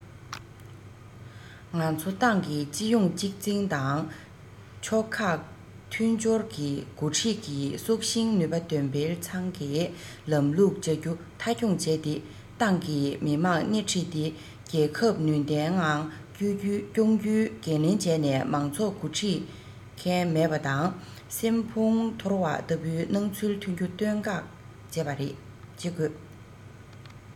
ང ཚོས ཏང གི སྤྱི ཡོངས གཅིག འཛིན དང ཕྱོགས ཁག མཐུན སྦྱོར གྱི འགོ ཁྲིད ཀྱི སྲོག ཤིང ནུས པ འདོན སྤེལ ཚང གི ལམ ལུགས བྱ རྒྱུ མཐའ འཁྱོངས བྱས ཏེ ཏང གིས མི དམངས སྣེ ཁྲིད དེ རྒྱལ ཁབ ནུས ལྡན ངང སྐྱོང རྒྱུའི འགན ལེན བྱས ནས མང ཚོགས འགོ འཁྲིད མཁན མེད པ དང སྲན ཕུང ཐོར བ ལྟ བུའི སྣང ཚུལ ཐོན རྒྱུ གཏན འགོག བྱེད དགོས